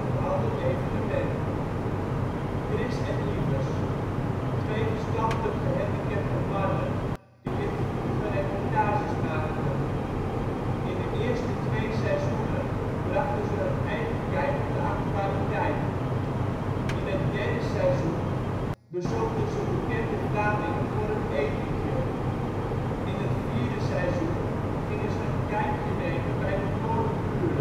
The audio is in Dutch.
ander evenement. Kris en Yves: Twee verstandelijk gehandicapte mannen die lichtvoetige reportages maakten. In de eerste twee seizoenen brachten ze hun eigen kijk op de actualiteit. In het derde seizoen bezochten ze bekende Vlamingen voor een etentje. In het vierde seizoen gingen ze een kijkje nemen bij de noorderburen. De